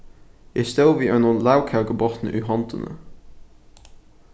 eg stóð við einum lagkøkubotni í hondini